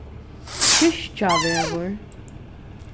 kirkjavegur